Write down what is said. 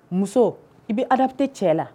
Muso i bɛ adapter cɛ la